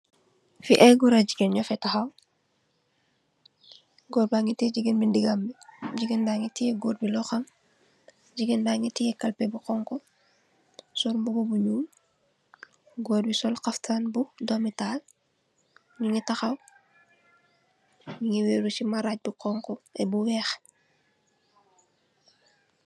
Fi ay goor ak jigéen nyu fi taxaw goor bagi teye jigeen ndigam bi jigeen bagi teye góor bi loxom jigeen bagi tiye xalpe bu xonxu sol mbubu bu nuul goor bi sol xaftan bu domitaal nyungi taxaw nyu weru si marag bu xonxu tex bu weex.